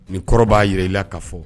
Nin kɔrɔ b'a jira ila ka fɔ